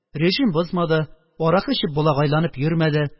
Режим бозмады, аракы эчеп болагайланып йөрмәде